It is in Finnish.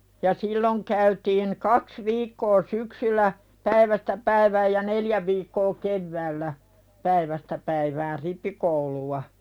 ja silloin käytiin kaksi viikkoa syksyllä päivästä päivään ja neljä viikkoa keväällä päivästä päivään rippikoulua